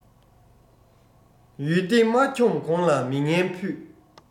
ཡུལ བདེ མ འཁྱོམས གོང ལ མི ངན ཕུད